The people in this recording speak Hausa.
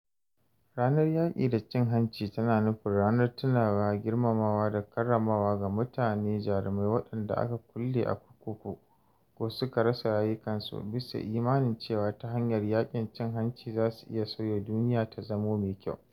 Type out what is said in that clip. Ranar Yaƙi da Cin Hanci tana nufin ranar tunawa, girmamawa da karramawa ga mutane jarumai waɗanda aka kulle a kurkuku ko suka rasa rayukansu, bisa imanin cewa ta hanyar yaƙar cin hanci zasu iya sauya duniya ta zamo mai kyau.